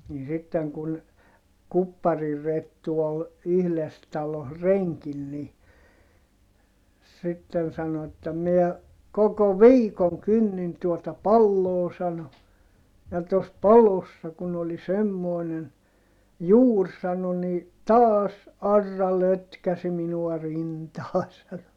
niin sitten kun Kuppari-Rettu oli yhdessä talossa renkinä niin sitten sanoi että minä koko viikon kynnin tuota paloa sanoi ja tuossa palossa kun oli semmoinen juuri sanoi niin taas aura lötkäsi minua rintaan sanoi